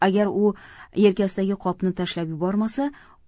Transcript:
gar u yelkasidagi qopni tashlab yubormasa